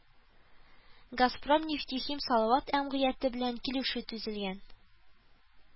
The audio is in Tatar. Газпром нефтехим Салават әмгыяте белән килешү төзелгән